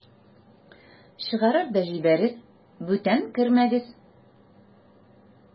Чыгарыр да җибәрер: "Бүтән кермәгез!"